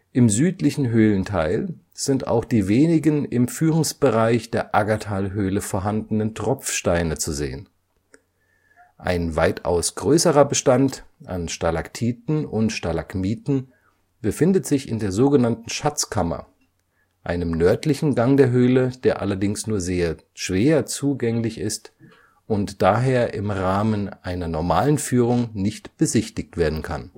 Im südlichen Höhlenteil sind auch die wenigen im Führungsbereich der Aggertalhöhle vorhandenen Tropfsteine zu sehen. Ein weitaus größerer Bestand an Stalaktiten und Stalagmiten befindet sich in der sogenannten Schatzkammer, einem nördlichen Gang der Höhle, der allerdings nur sehr schwer zugänglich ist und daher im Rahmen einer normalen Führung nicht besichtigt werden kann